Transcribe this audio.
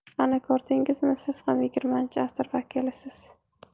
ana ko'rdingizmi siz ham yigirmanchi asr vakilisiz